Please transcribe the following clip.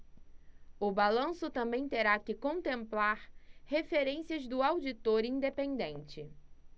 o balanço também terá que contemplar referências do auditor independente